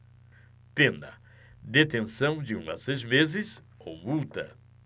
pena detenção de um a seis meses ou multa